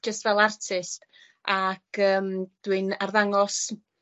Jyst fel artist ac yym dwi'n arddangos